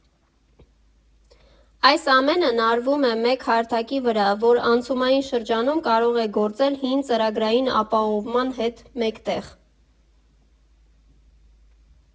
Այս ամենն արվում է մեկ հարթակի վրա, որը անցումային շրջանում կարող է գործել հին ծրագրային ապահովման հետ մեկտեղ։